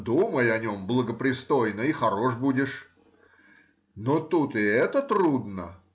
думай о нем благопристойно и — хорош будешь. Но тут и это трудно